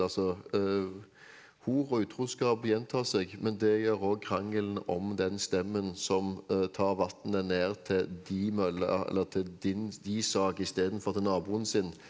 altså hor og utroskap gjentar seg men det gjør òg krangelen om den stemmen som tar vatnet ned til di mølle eller til din di sag istedenfor til naboen sin.